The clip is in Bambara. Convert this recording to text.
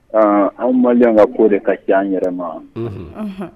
Aa an mali an ka ko de ka ci an yɛrɛ ma